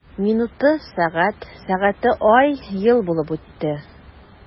Минуты— сәгать, сәгате— ай, ел булып үтте.